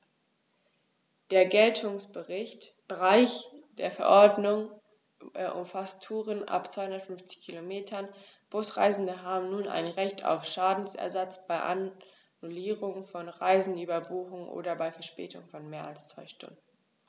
Der Geltungsbereich der Verordnung umfasst Touren ab 250 Kilometern, Busreisende haben nun ein Recht auf Schadensersatz bei Annullierung von Reisen, Überbuchung oder bei Verspätung von mehr als zwei Stunden.